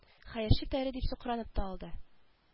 Хәерче тәре дип сукранып та алды